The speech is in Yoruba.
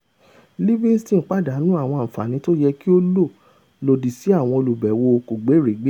Livinston pàdánù àwọn àǹfààní tóyẹ kí ó lò lòdì sí àwọn olùbẹwò kògbérèégbè